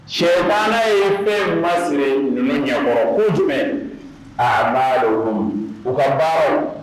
Sitanɛ ye fɛn in ma siri ninnu ɲɛkɔrɔ, ko jumɛn? a a maaluhum